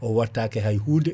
o wattake hay hunde